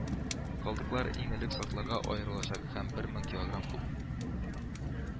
Калдыклар иң элек сортларга аерылачак һәм мең килограмм куб